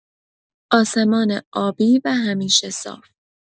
آسمان آبی و همیشه صاف